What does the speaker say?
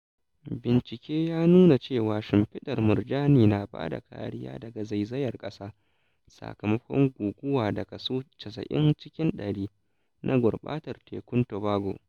Bincike ya nuna cewa shimfiɗar murjani na ba da kariya daga zaizayar ƙasa sakamakon guguwa da kaso 90 cikin ɗari na gaɓar tekun Tobago.